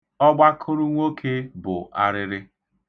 Ọgbakụrụnwoke bụ arịrị.